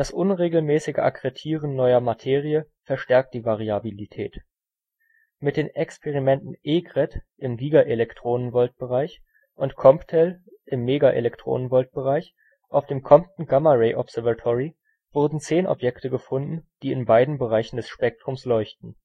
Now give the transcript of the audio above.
unregelmäßige Akkretieren neuer Materie verstärkt die Variabilität. Mit den Experimenten EGRET (GeV-Bereich) und COMPTEL (MeV-Bereich) auf dem Compton Gamma Ray Observatory wurden zehn Objekte gefunden, die in beiden Bereichen des Spektrums leuchten